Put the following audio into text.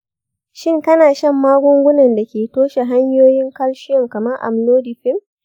shin kana shan magungunan da ke toshe hanyoyin calcium kamar amlodipine?